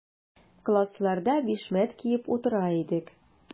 Классларда бишмәт киеп утыра идек.